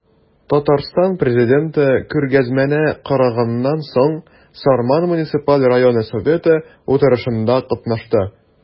Татарстан Президенты күргәзмәне караганнан соң, Сарман муниципаль районы советы утырышында катнашты.